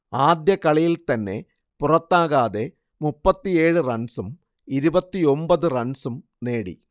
ആദ്യ കളിയിൽ തന്നെ പുറത്താകാതെ മുപ്പത്തിയേഴ് റൺസും ഇരുപത്തിയൊമ്പത് റൺസും നേടി